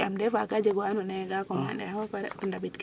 yam des fois ka jega wana commander ang bo paré to ndabid ke